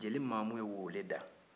jeli mamu ye weele da